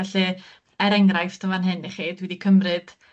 Felly er enghraifft yn fan hyn i chi, dwi 'di cymryd